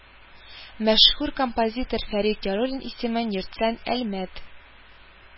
Мәшһүр композитор Фәрит Яруллин исемен йөрткән Әлмәт